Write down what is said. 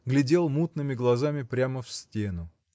глядел мутными глазами прямо в стену.